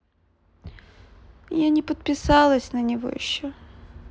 я не подписалась на него еще